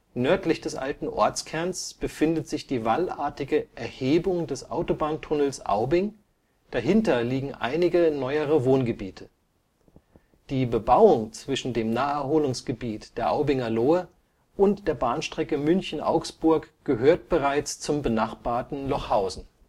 Nördlich des alten Ortskerns befindet sich die wallartige Erhebung des Autobahntunnels Aubing, dahinter liegen einige neuere Wohngebiete. Die Bebauung zwischen dem Naherholungsgebiet der Aubinger Lohe und der Bahnstrecke München – Augsburg gehört bereits zum benachbarten Lochhausen